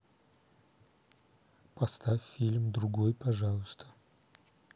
поставь фильм другой пожалуйста